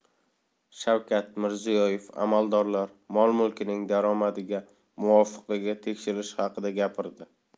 shavkat mirziyoyev amaldorlar mol mulkining daromadiga muvofiqligi tekshirilishi haqida gapirdi